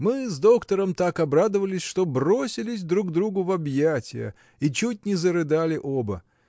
Мы с доктором так обрадовались, что бросились друг другу в объятия и чуть не зарыдали оба.